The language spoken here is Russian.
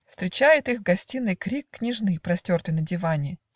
Встречает их в гостиной крик Княжны, простертой на диване.